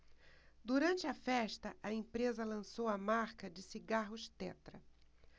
durante a festa a empresa lançou a marca de cigarros tetra